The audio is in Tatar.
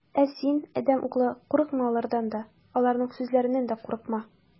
Ә син, адәм углы, курыкма алардан да, аларның сүзләреннән дә курыкма.